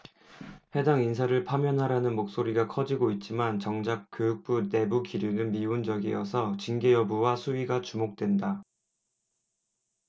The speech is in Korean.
해당 인사를 파면하라는 목소리가 커지고 있지만 정작 교육부 내부기류는 미온적이어서 징계 여부와 수위가 주목된다